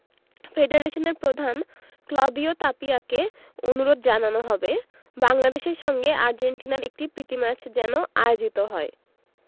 ফেডারেশনের প্রধান ক্লদিও তাপিয়াকে অনুরোধ জানানো হবে বাংলাদেশের সঙ্গে আর্জেন্টিনার একটি প্রীতি ম্যাচ যেন আয়োজিত হয়